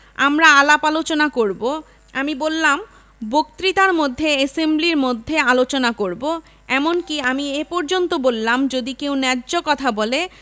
আমরা আলাপ আলোচনা করবো আমি বললাম বক্তৃতার মধ্যে এসেম্বলি মধ্যে আলোচনা করবো এমন কি আমি এ পর্যন্ত বললাম যদি কেউ ন্যায্য কথা বলে